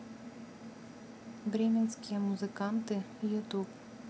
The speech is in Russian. бременские музыканты ютуб